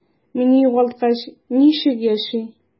Мине югалткач, ничек яши?